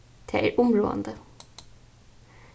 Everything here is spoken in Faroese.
tað er umráðandi